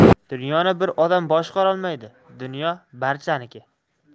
dunyoni bir odam boshqarolmaydi dunyo barchaniki